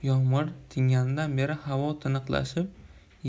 yomg'ir tinganidan beri havo tiniqlashib